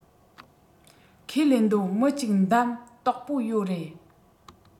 ཁས ལེན འདོད མི གཅིག བདམས དོག པོ ཡོ རེད